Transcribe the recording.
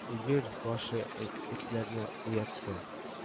Өер башы этләрне уятты